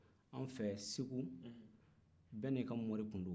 anw fɛ segu bɛɛ n'i ka mori tun don